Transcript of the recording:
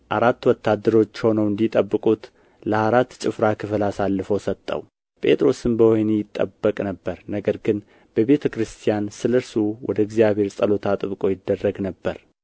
አራት ወታደሮች ሆነው እንዲጠብቁት ለአራት ጭፍራ ክፍል አሳልፎ ሰጠው ጴጥሮስም በወኅኒ ይጠበቅ ነበር ነገር ግን በቤተ ክርስቲያን ስለ እርሱ ወደ እግዚአብሔር ጸሎት አጥብቆ ይደረግ ነበር